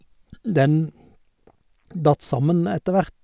Den datt sammen etter hvert.